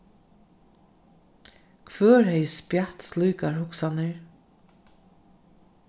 hvør hevði spjatt slíkar hugsanir